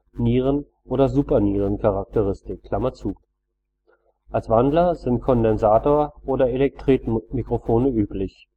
Nieren - oder Supernierencharakteristik). Als Wandler sind Kondensator - oder Elektretmikrofone üblich